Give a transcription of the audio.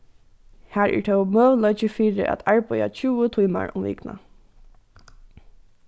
har er tó møguleiki fyri at arbeiða tjúgu tímar um vikuna